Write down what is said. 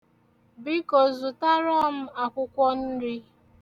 Biko zụtara m akwụkwọnri.